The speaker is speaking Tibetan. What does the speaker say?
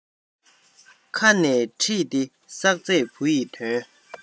ཁ ནས ཕྲིས ཏེ བསགས ཚད བུ ཡི དོན